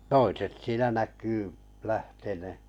toiset siinä näkyy lähteneen